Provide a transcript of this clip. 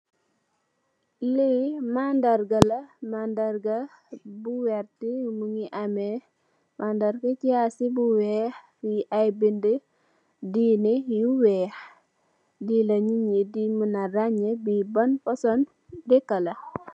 Le mandarga la.mandarga bu verter ameh lu jassi bu weex mui ai bideh dina yu weyh yu nit yi the rangne ban fason dekala.